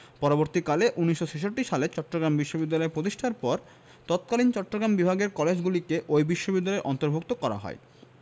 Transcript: পরবর্তীকালে ১৯৬৬ সালে চট্টগ্রাম বিশ্ববিদ্যালয় প্রতিষ্ঠার পর তৎকালীন চট্টগ্রাম বিভাগের কলেজগুলিকে ওই বিশ্ববিদ্যালয়ের অন্তর্ভুক্ত করা হয়